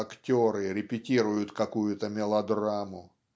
актеры репетируют какую-то мелодраму".